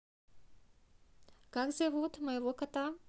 как зовут моего кота